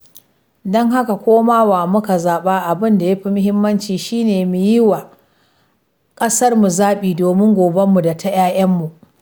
Don haka, ko ma wa muka zaɓa, abin da ya fi muhimmanci shi ne mu yi wa ƙasarmu zaɓi, domin gobenmu da ta 'ya'yanmu.